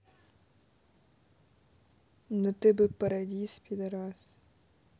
но ты бы paradise пидарас